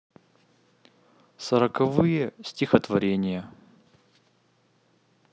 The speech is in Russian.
сороковые стихотворение